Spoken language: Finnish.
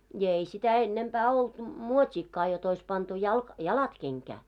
ja ei sitä ennempää ollut muotiakaan jotta olisi pantu - jalat kenkään